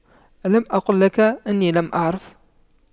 ألم أقل لك أني لم أعرف